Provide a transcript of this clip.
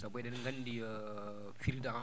saabu eɗen nganndi "frident"